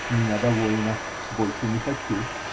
С меня довольно, больше не хочу.